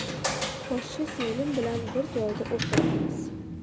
poshsha singlim bilan bir joyda o'tiribmiz